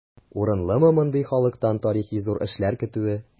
Урынлымы мондый халыктан тарихи зур эшләр көтүе?